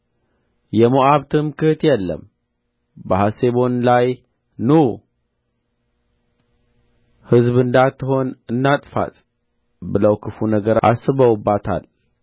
የሞዓብ ትምክሕት የለም በሐሴቦን ላይ ኑ ሕዝብ እንዳትሆን እናጥፋት ብለው ክፉ ነገር አስበውባታል